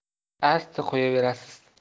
asti qo'yaverasiz